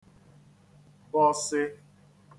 bọsị